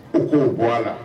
U k ko u bɔ a la